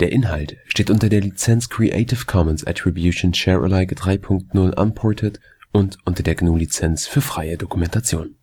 Inhalt steht unter der Lizenz Creative Commons Attribution Share Alike 3 Punkt 0 Unported und unter der GNU Lizenz für freie Dokumentation